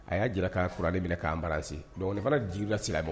A y'a jira ka kuranɛ minɛ k'an embrasser donc ni fana